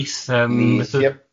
Neith? Yym... Nith, ia?